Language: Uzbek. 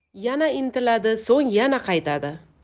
yana intiladi so'ng yana qaytadi